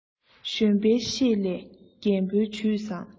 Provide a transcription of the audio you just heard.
གཞོན པའི ཤེད ལས རྒན པོའི ཇུས བཟང